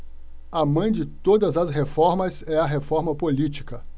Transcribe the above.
a mãe de todas as reformas é a reforma política